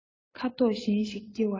ཁ དོག གཞན ཞིག སྐྱེ བར འགྱུར